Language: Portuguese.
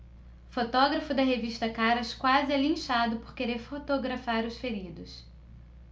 fotógrafo da revista caras quase é linchado por querer fotografar os feridos